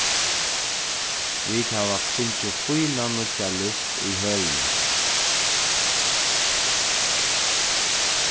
vit hava fingið fína nýggja list í hølini